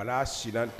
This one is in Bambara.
A sin ta